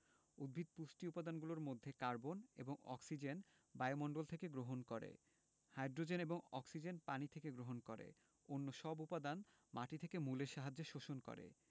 উদ্ভিদ পুষ্টি উপাদানগুলোর মধ্যে কার্বন এবং অক্সিজেন বায়ুমণ্ডল থেকে গ্রহণ করে হাই্ড্রোজেন এবং অক্সিজেন পানি থেকে গ্রহণ করে অন্যসব উপাদান মাটি থেকে মূলের সাহায্যে শোষণ করে